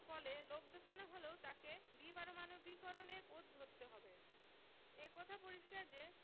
ফলে লোকদেখানো হলেও তাঁকে বিপারমাণবিকীকরণের পথ ধরতে হবে এ কথা পরিষ্কার যে